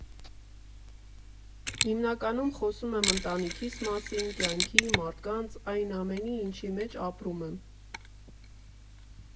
Հիմնականում խոսում եմ ընտանիքիս մասին, կյանքի, մարդկանց, այն ամենի, ինչի մեջ ապրում եմ։